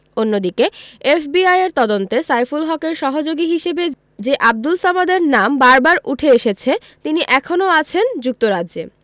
অন্যদিকে এফবিআইয়ের তদন্তে সাইফুল হকের সহযোগী হিসেবে যে আবদুল সামাদের নাম বারবার উঠে এসেছে তিনি এখনো আছেন যুক্তরাজ্যে